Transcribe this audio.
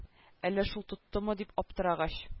Әллә шул тоттымы дим аптырагач